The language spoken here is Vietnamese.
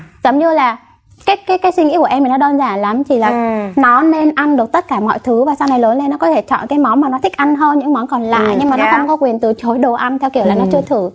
giống như là cái cái cái suy nghĩ của em nó đơn giản lắm chỉ là nó nên ăn được tất cả mọi thứ và sau này lớn lên nó có thể chọn cái món mà nó thích ăn hơn những món còn lại nhưng mà nó không có quyền từ chối đồ ăn theo kiểu là nó chưa thử